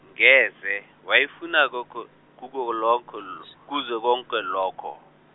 ngeze wayefuna goku- gukulokho l- kuze konke lokho.